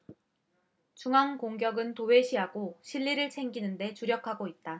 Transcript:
중앙 공격은 도외시하고 실리를 챙기는 데 주력하고 있다